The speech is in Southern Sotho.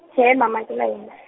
tjhee mama ha ke na yena.